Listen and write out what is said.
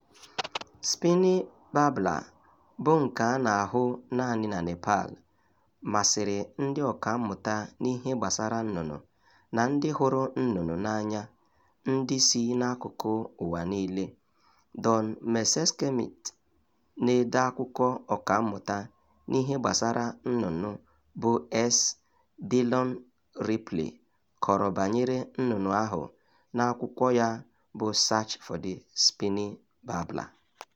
Spiny Babbler, bụ nke a na-ahụ naanị na Nepal, masịrị ndị ọkammụta n'ihe gbasara nnụnụ na ndị hụrụ nnụnụ n'anya ndị si n'akụkụ ụwa niile. Don Messerschmidt na-ede akụkọ ọkammụta n'ihe gbasara nnụnụ bụ S. Dillon Ripley kọrọ banyere nnụnụ ahụ n'akwụkwọ ya bụ Search for the Spiny Babbler: